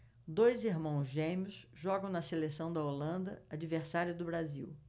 dois irmãos gêmeos jogam na seleção da holanda adversária do brasil